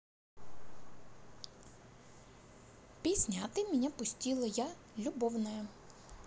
песня а ты меня пустила я любовная